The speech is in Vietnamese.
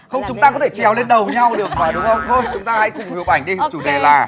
không chúng ta có thể trèo lên đầu nhau được mà đúng không thôi chúng ta hãy cùng chụp ảnh đi chủ đề là